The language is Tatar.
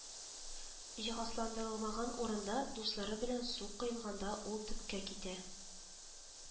Җиһазландырылмаган урында дуслары белән су коенганда ул төпкә китә